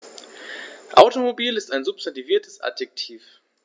Automobil ist ein substantiviertes Adjektiv.